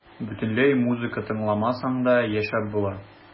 Бөтенләй музыка тыңламасаң да яшәп була.